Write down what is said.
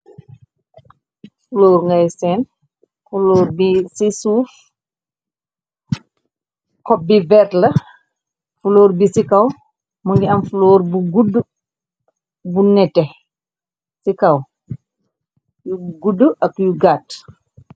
Floor ngay seen kloor bi ci suuf kop bi beetla floor bi ci kaw mu ngi am floor bu gudd bu nete ci kaw yub gudd ak yu gaat.